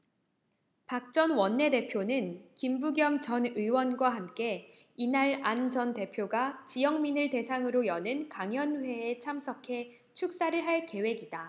박 전 원내대표는 김부겸 전 의원과 함께 이날 안 전 대표가 지역민을 대상으로 여는 강연회에 참석해 축사를 할 계획이다